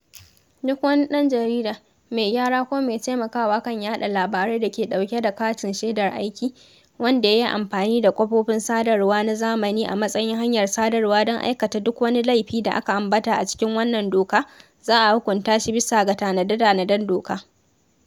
Duk wani ɗan jarida, mai gyara ko mai taimakawa kan yaɗa labarai dake ɗauke da katin shedar aiki, wanda ya yi amfani da kafofin sadarwa na zamani a matsayin hanyar sadarwa don aikata duk wani laifi da aka ambata a cikin wannan doka, za a hukunta shi bisa ga tanade-tanaden doka.